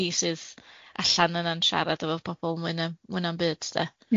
ni sydd allan yna'n siarad efo pobol mwy na mwy na'm byd de.